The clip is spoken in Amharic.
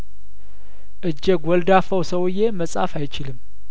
እጀ ጐልዳፋው ሰውዬ መጻፍ አይችልም